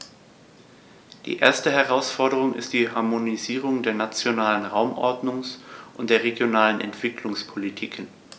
Die erste Herausforderung ist die Harmonisierung der nationalen Raumordnungs- und der regionalen Entwicklungspolitiken.